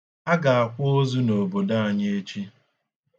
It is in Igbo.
A ga-akwa ozu na obodo anyi echi.